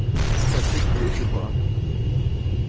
hatta trúgvi eg ikki uppá